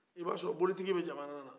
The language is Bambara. i b' a sɔrɔ bolitigi bɛ jamana na